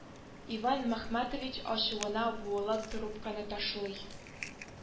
Иван мөхммәтович ачуына буылып трубканы ташлый